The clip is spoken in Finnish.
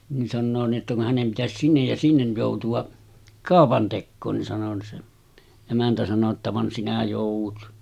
niin sanoo niin että kun hänen pitäisi sinne ja sinne joutua kaupantekoon niin sanoi se emäntä sanoi jotta vaan sinä joudut